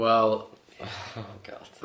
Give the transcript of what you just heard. Wel... Oh God.